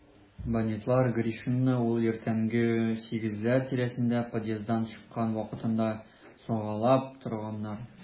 Бандитлар Гришинны ул иртәнге сигезләр тирәсендә подъезддан чыккан вакытында сагалап торганнар.